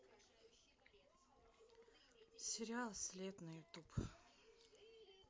сериал след на ютуб